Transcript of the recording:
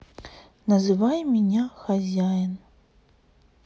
называй меня хозяин